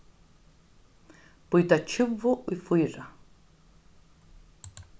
býta tjúgu í fýra